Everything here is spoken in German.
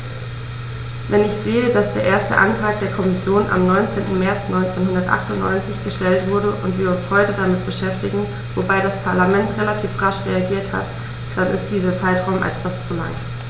Wenn ich sehe, dass der erste Antrag der Kommission am 19. März 1998 gestellt wurde und wir uns heute damit beschäftigen - wobei das Parlament relativ rasch reagiert hat -, dann ist dieser Zeitraum etwas zu lang.